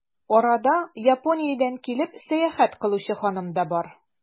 Арада, Япониядән килеп, сәяхәт кылучы ханым да бар.